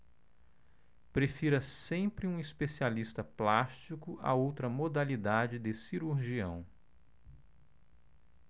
prefira sempre um especialista plástico a outra modalidade de cirurgião